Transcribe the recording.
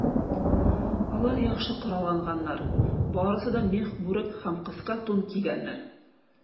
Алар яхшы коралланганнар, барысы да мех бүрек һәм кыска тун кигәннәр.